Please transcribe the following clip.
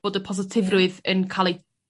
Bod y positifrwydd yn ca'l ei